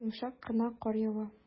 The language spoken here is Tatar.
Йомшак кына кар ява.